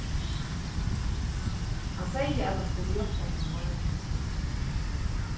hann segði at hann skuldi hjálpa okkum í morgin